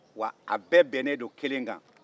wa a bɛɛ bɛnlen don kelen kan